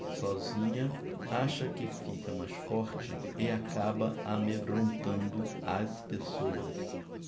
sozinha acha que fica mais forte e acaba amedrontando as pessoas